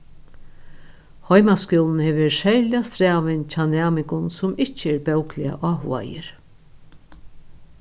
heimaskúlin hevur verið serliga strævin hjá næmingum sum ikki eru bókliga áhugaðir